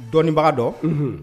Dɔnibaga dɔn